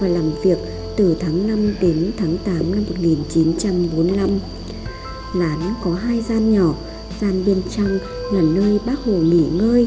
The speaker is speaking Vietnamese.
và làm việc từ tháng đến tháng năm lán có gian nhỏ gian bên trong là nơi bác hồ nghỉ ngơi